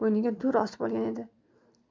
bo'yniga dur osib olgan edi